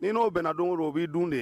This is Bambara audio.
N'i n'o bɛnna don o don o b'i dun de